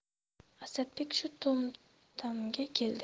asadbek shu to'xtamga keldi